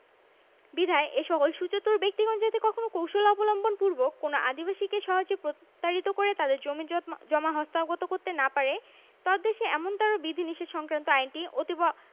বিধায় এসকল সুচতুর ব্যক্তিগণ যাতে কখনো কৌশল অবলম্বনপূর্বক কোনও আদিবাসীকে সহজে প্রতারিত করে তাদের জমিজমা হস্তগত করতে না পারে তদ্দেশে এমনতার বিধিনিষেধ সংক্রান্ত আইনটি অতীব